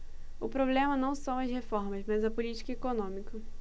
o problema não são as reformas mas a política econômica